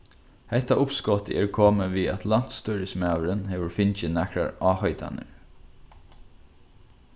hetta uppskotið er komið við at landsstýrismaðurin hevur fingið nakrar áheitanir